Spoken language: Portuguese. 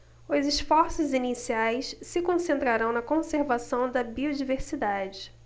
os esforços iniciais se concentrarão na conservação da biodiversidade